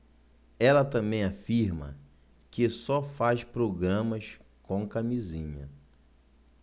ela também afirma que só faz programas com camisinha